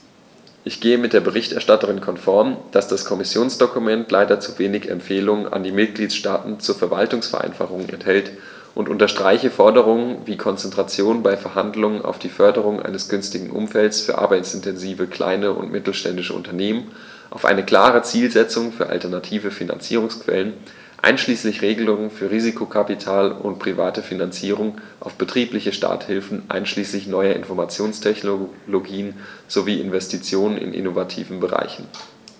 Ich gehe mit der Berichterstatterin konform, dass das Kommissionsdokument leider zu wenig Empfehlungen an die Mitgliedstaaten zur Verwaltungsvereinfachung enthält, und unterstreiche Forderungen wie Konzentration bei Verhandlungen auf die Förderung eines günstigen Umfeldes für arbeitsintensive kleine und mittelständische Unternehmen, auf eine klare Zielsetzung für alternative Finanzierungsquellen einschließlich Regelungen für Risikokapital und private Finanzierung, auf betriebliche Starthilfen einschließlich neuer Informationstechnologien sowie Investitionen in innovativen Bereichen.